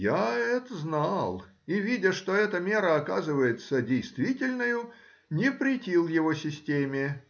Я это знал и, видя, что эта мера оказывается действительною, не претил его системе.